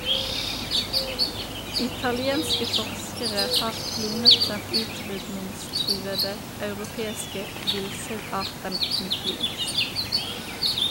Italienske forskere har klonet den utrydningstruede europeiske villsauarten muflon.